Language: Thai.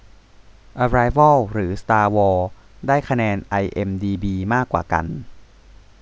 อะไรวอลหรือสตาร์วอร์ได้คะแนนไอเอ็มดีบีมากกว่ากัน